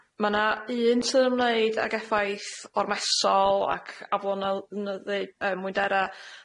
Ma' 'na un sydd yn ymwneud ag effaith ormesol ac aflonyl-nyddu yy mwyndera